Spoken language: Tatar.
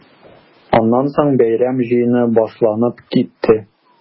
Аннан соң бәйрәм җыены башланып китте.